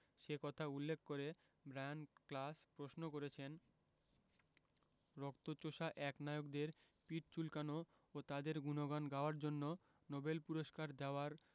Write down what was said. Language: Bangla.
সে কথা উল্লেখ করে ব্রায়ান ক্লাস প্রশ্ন করেছেন রক্তচোষা একনায়কদের পিঠ চুলকানো ও তাঁদের গুণগান গাওয়ার জন্য নোবেল পুরস্কার দেওয়ার